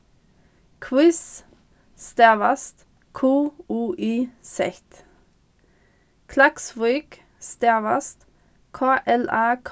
quiz stavast q u i z klaksvík stavast k l a